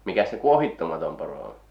mikäs se kuohitsematon poro on